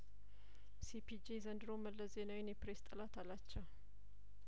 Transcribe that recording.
ሲፒጄ ዘንድሮም መለስ ዜናዊን የፕሬስ ጠላት አላቸው